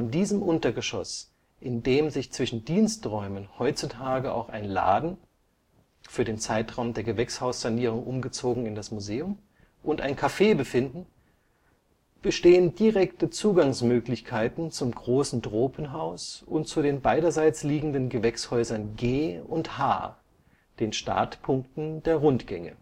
diesem Untergeschoss, in dem sich neben Diensträumen heutzutage auch ein Laden (für den Zeitraum der Gewächshaussanierung umgezogen in das Museum) und ein Café befinden, bestehen direkte Zugangsmöglichkeiten zum Großen Tropenhaus und zu den beiderseits liegenden Gewächshäusern G und H, den Startpunkten der Rundgänge